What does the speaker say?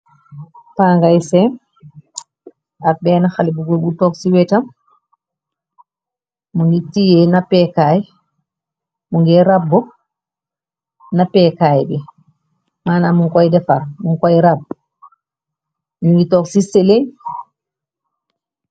Paa ngay seem ak benn xale bu goor bu toog ci weetam, mu ni tiyee napekaay, mu ngi rabbu napeekaay bi, manam mun koy defar mu koy rabb ñu ngi toog ci seeleen.